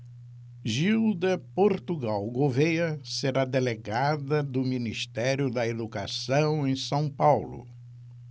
gilda portugal gouvêa será delegada do ministério da educação em são paulo